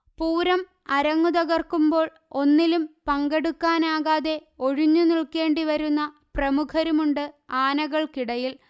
പൂരം അരങ്ങുതകർക്കുമ്പോൾ ഒന്നിലും പങ്കെടുക്കാനാകാതെ ഒഴിഞ്ഞുനില്ക്കേണ്ടിവരുന്ന പ്രമുഖരുമുണ്ട് ആനകൾക്കിടയിൽ